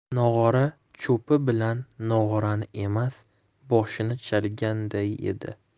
nog'ora cho'pi bilan nog'orani emas boshini chalganday edi